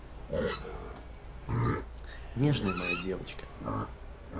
нежная моя девочка